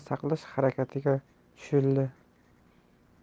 saqlash harakatiga tushildi